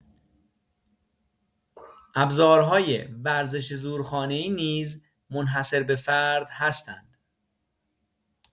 ابزارهای ورزش زورخانه‌ای نیز منحصر به‌فرد هستند.